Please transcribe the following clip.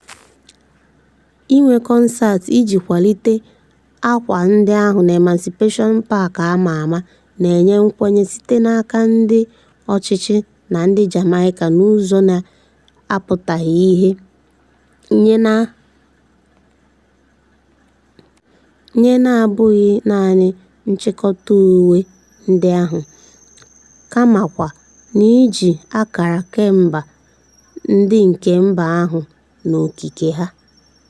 Inwe kọnseetị iji kwalite akwa ndị ahụ n'Emancipation Park a ma ama na-enye nkwenye site n'aka ndị ọchịchị na ndị Jamaica n'ụzọ na-apụtaghị ihe nye na-abụghị naanị nchịkọta uwe ndị ahụ, kamakwa n'iji ákàrà kemba ndị nke mba ahụ n'okike ha.